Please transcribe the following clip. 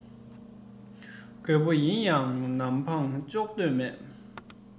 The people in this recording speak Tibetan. རྒོད པོ ཡིན ཡང ནམ འཕང གཅོད མདོག མེད